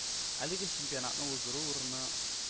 - әлеге чемпионатны уздыру урыны